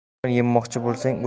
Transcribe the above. non yemoqchi bo'lsang